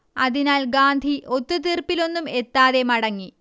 അതിനാൽ ഗാന്ധി ഒത്തുതീർപ്പിലൊന്നും എത്താതെ മടങ്ങി